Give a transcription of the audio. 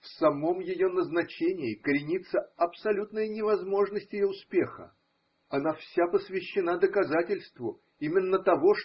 В самом ее назначении коренится абсолютная невозможность ее успеха: она вся посвящена доказательству именно того.